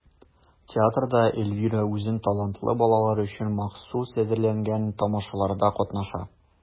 Театрда Эльвира үзен талантлы балалар өчен махсус әзерләнгән тамашаларда катнаша.